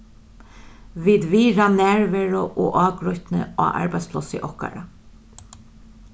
vit virða nærveru og ágrýtni á arbeiðsplássi okkara